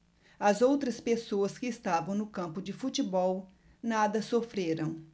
as outras pessoas que estavam no campo de futebol nada sofreram